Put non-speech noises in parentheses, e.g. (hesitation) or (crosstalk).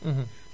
(hesitation) (hesitation)